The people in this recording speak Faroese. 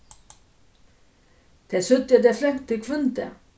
tey søgdu at tey flentu hvønn dag